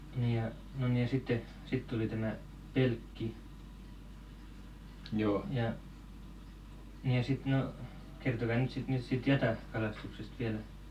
niin ja no niin ja sitten sitten oli tämä pelkki ja niin ja sitten no kertokaa nyt siitä nyt siitä - jatakalastuksesta vielä